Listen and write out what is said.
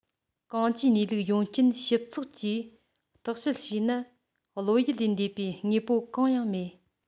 གང ཅིའི གནས ལུགས ཡོང རྐྱེན ཞིབ ཚགས ཀྱིས བརྟག དཔྱད བྱས ན བློ ཡུལ ལས འདས པའི དངོས པོ གང ཡང མེད